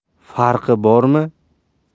farqi bormi